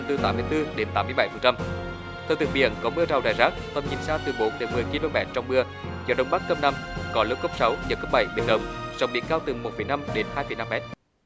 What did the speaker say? từ tám mươi tư đến tám mươi bảy phần trăm thời tiết biển có mưa rào rải rác tầm nhìn xa từ bốn đến mười ki lô mét trong mưa gió đông bắc cấp năm có lúc cấp sáu giật cấp bảy biển động sóng biển cao từ một phẩy năm đến hai phẩy năm mét